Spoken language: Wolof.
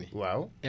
mun nga ko am